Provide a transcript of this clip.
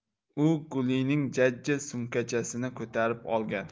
u gulining jajji sumkachasini ko'tarib olgan